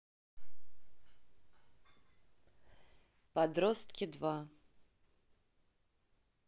подростки два